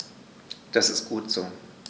Das ist gut so.